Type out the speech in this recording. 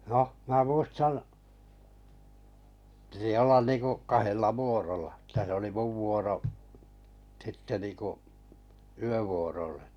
no minä muistan piti olla niin kuin kahdella vuorolla että se oli minun vuoro sitten niin kuin yövuorolle